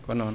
ko non